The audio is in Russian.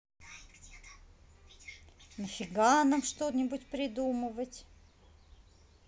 нафига нам что нибудь придумывать